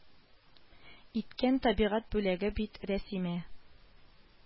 Иткән табигать бүләге бит, рәсимә